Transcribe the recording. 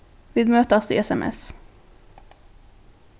vit møtast í sms